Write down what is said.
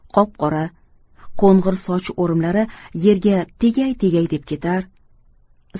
qop qoraqo'ng'ir soch o'rimlari yerga tegay tegay deb ketar